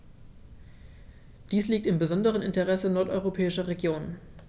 Dies liegt im besonderen Interesse nordeuropäischer Regionen.